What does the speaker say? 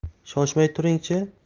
shoshmay turing chi